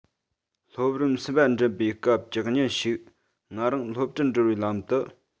སློབ རིམ གསུམ པ འགྲིམ པའི སྐབས ཀྱི ཉིན ཞིག ང རང སློབ གྲྭར འགྲོ བའི ལམ དུ